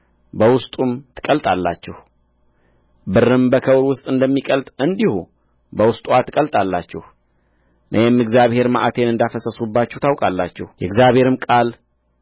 በውስጡም ትቀልጣላችሁ ብርም በከውር ውስጥ እንደሚቀልጥ እንዲሁ በውስጡዋ ትቀልጣላችሁ እኔም እግዚአብሔር መዓቴን እንዳፈሰስሁባችሁ ታውቃላችሁ የእግዚአብሔርም ቃል